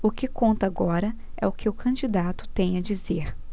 o que conta agora é o que o candidato tem a dizer